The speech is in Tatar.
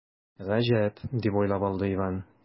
“гаҗәп”, дип уйлап алды иван.